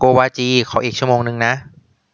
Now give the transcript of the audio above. โกวาจีขออีกชั่วโมงนึงนะ